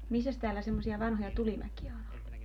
missäs täällä semmoisia vanhoja tulimäkiä on ollut